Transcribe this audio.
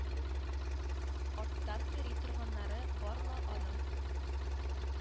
Арттан йөри торганнары бар ла аның